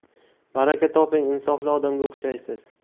baraka toping insofli odamga o'xshaysiz